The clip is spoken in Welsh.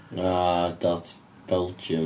A dot Belgium.